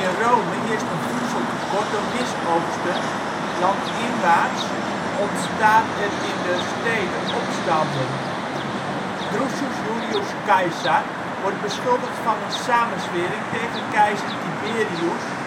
Rome heerst een voedseltekort door misoogsten, landinwaarts ontstaan er in de steden opstanden. Drusus Julius Caesar wordt beschuldigd van een samenzwering tegen keizer Tiberius